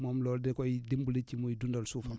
moom loolu da koy dimbali ci muy dundal suufam